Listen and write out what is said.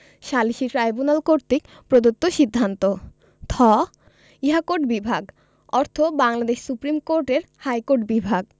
সালিসী ট্রাইব্যুনাল কর্তৃক প্রদত্ত সিদ্ধান্ত থ ইহাকোর্ট বিভাগ অর্থ বাংলাদেশ সুপ্রীম কোর্টের হাইকোর্ট বিভাগ